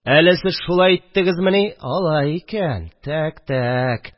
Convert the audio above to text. – әле сез шулай иттегезмени? алай икән... тәк, тәк